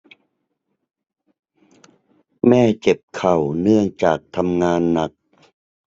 แม่เจ็บเข่าเนื่องจากทำงานหนัก